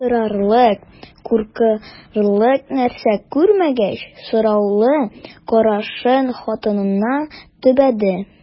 Аптырарлык, куркырлык нәрсә күрмәгәч, сораулы карашын хатынына төбәде.